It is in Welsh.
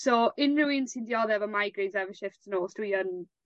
so unryw un sy'n diodde efe migraines efo shiffts nos dwi yn